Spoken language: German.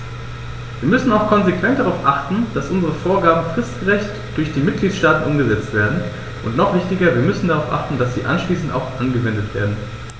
Wir müssen auch konsequent darauf achten, dass unsere Vorgaben fristgerecht durch die Mitgliedstaaten umgesetzt werden, und noch wichtiger, wir müssen darauf achten, dass sie anschließend auch angewendet werden.